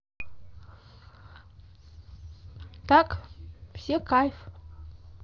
так все кайф